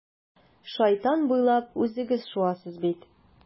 Шайтан буйлап үзегез шуасыз бит.